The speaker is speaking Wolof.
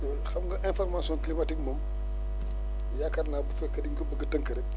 xam nga information climatique moom yaakaar naa bu fekkee dañu ko bëgg a tënk rek